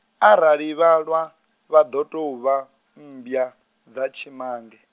arali vha lwa, vhado tou vha, mmbwa, dza tshimange.